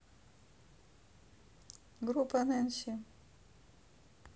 группа нэнси